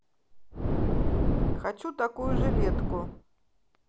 хочу такую жилетку